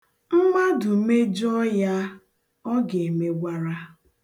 Mmadụ mejọọ ya, ọ ga-emegwara.